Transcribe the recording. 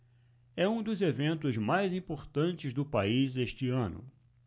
é um dos eventos mais importantes do país este ano